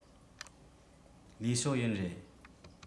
ལིའི ཞའོ ཡན རེད